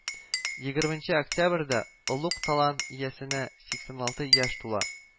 Егерменче октябрьдә олуг талант иясенә сиксән алты яшь тула